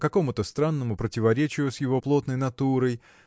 по какому-то странному противоречию с его плотной натурой